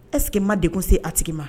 Ɛseke ma de kun se a tigi ma